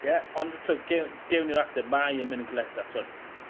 Ie ond t'wod ge- gewn ni'r ateb mae yn myn' yn galetach t'wod